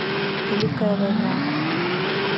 великая война